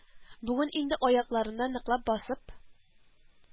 Бүген инде аякларына ныклап басып